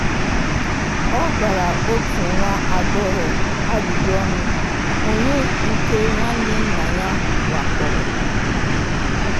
Ọ gbara otu nwa agbọghọ ajụjụ ọnụ onye nke nwanne nna ya wakporo.